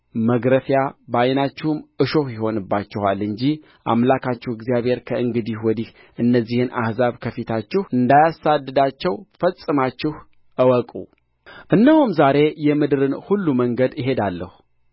መግረፊያ በዓይናችሁም እሾህ ይሆኑባችኋል እንጂ አምላካችሁ እግዚአብሔር ከእንግዲህ ወዲያ እነዚህን አሕዛብ ከፊታችሁ እንዳያሳድዳቸው ፈጽማችሁ እወቁ እነሆም ዛሬ የምድርን ሁሉ መንገድ እሄዳለሁ